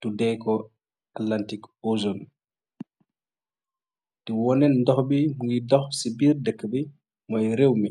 tuddee ko atlantic ocean. Te wone ndox bi muy dox ci biir dëkk bi mooy réew mi.